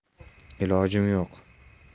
ilojim yo'q